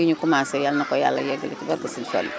lii énu commencé yàlla na ko yàlla yegale ci barke Serigne Fallou